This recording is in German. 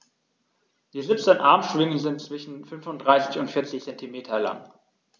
Die 17 Armschwingen sind zwischen 35 und 40 cm lang.